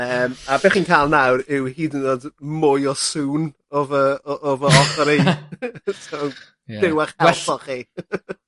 Yym a be' chi'n ca'l nawr yw hyd yn o'd mwy o sŵn o fy o fy offer i. So... Ie. ...Duw a'ch helpo... Well... ...chi.